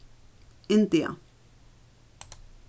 india